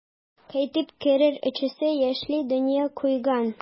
Кайтып керер өчесе яшьли дөнья куйган.